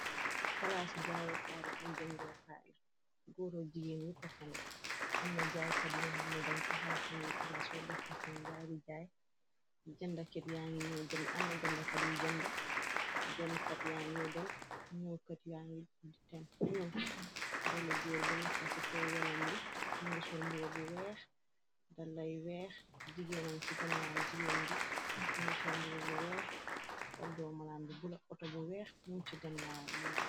Palaasu jaayukaayla ak jëndokaay, góor ak jigéen yépp fanek. Amna jaaykat yu xamne dañ taxawal seen yi pala soor, defa seen jaay di jaay, jëndakat ya ngi jënda. Amna jëndakat yu jënda dem kat yangi dem ñuw kat yani tem ñuw xale li góor bu nekka ci kow weloom bi mungi sol mbubu bu weex dala yu weex. Jigeenang ci gannawam, jigéen bi mungi sol mbubu bu weex, oddo malaam bu bula, oto bu weex muñg ci gannaawam uye.